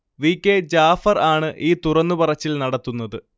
V. K Jafar ആണ് ഈ തുറന്നു പറച്ചിൽ നടത്തുന്നത്